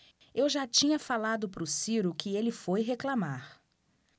eu já tinha falado pro ciro que ele foi reclamar